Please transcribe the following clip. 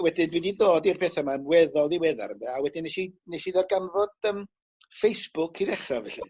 wedyn dwi 'di dod i'r petha yma'n weddol ddiweddar ynde a wedyn nesh i nesh i ddarganfod yym Facebook i ddechra felly.